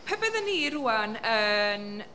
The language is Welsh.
Pe bydden i rŵan yn...